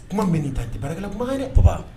Kuma min ta tɛ barika kumakan baba